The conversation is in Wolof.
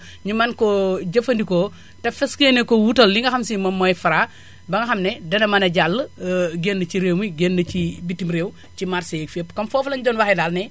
ñu mën koo jëfandikoo te fas yéene ko wutal li nga xam si moom mooy Fra ba nga xam ne dana mën a jàll géñn ci réew mi géñn ci bitim réew ci marché yeeg fépp comme foofu lañu doon waxee daal ne